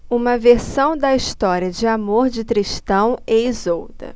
uma versão da história de amor de tristão e isolda